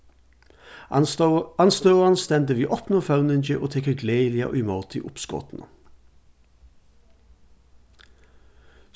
andstøðan stendur við opnum føvningi og tekur gleðiliga í móti uppskotinum